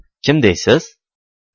kim deysiz